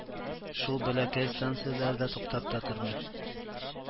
Шул бәләкәй станцияләрдә туктап та тормый.